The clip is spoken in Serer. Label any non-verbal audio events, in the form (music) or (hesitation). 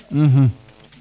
(hesitation) (hesitation)